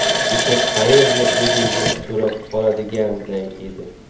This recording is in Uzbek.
kecha qaerda eding deb so'rab qoladiganday edi